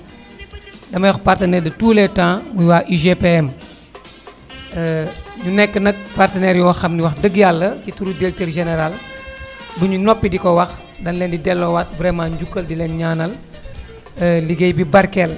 damay wax partenaire de tous les temps muy waa UGPM ñu nekk nag partenaires yoo xam ne wax dëgg yàlla ci turu directeur général du ñu noppi di ko wax dañu leen di delloowaat vraiment njukkal di leen ñaanal liggéey bi barkeel